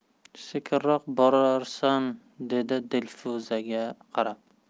sekinroq borarsan dedi dilfuzaga qarab